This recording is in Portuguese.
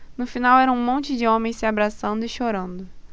no final era um monte de homens se abraçando e chorando